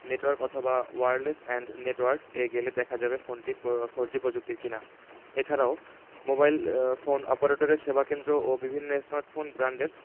network অথবা wireless and networks এ গেলে দেখা যাবে ফোনটি ফোরজি প্রযুক্তির কিনা এ ছাড়াও মোবাইল ফোন অপারেটরের সেবাকেন্দ্র ও বিভিন্ন স্মার্টফোন ব্র্যান্ডের